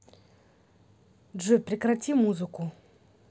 джой прекрати музыку